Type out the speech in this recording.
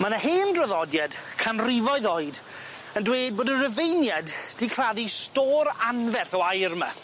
Ma' 'na hen draddodiad canrifoedd oed yn dwed bod y Rufeinia'd 'di claddu stor anferth o aur 'my.